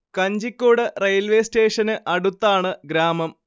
Kanjikode railway സ്റ്റേഷന് അടുത്താണ് ഗ്രാമം